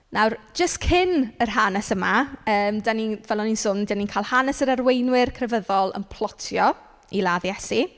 Nawr jyst cyn yr hanes yma, yym dan ni'n... fel o'n i'n sôn dan ni'n cael hanes yr arweinwyr crefyddol yn plotio i ladd Iesu.